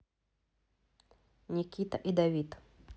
никита и давид